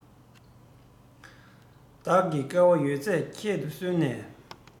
བདག གིས དཀའ བ ཡོད ཚད ཁྱད དུ གསོད ནུས